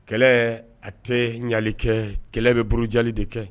Kɛlɛ a tɛ ɲali kɛ kɛlɛ bɛ burujali de kɛ